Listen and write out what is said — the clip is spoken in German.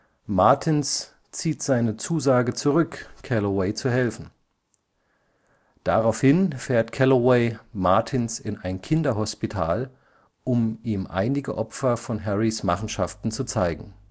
Martins zieht seine Zusage zurück, Calloway zu helfen. Daraufhin fährt Calloway Martins in ein Kinderhospital, um ihm einige Opfer von Harrys Machenschaften zu zeigen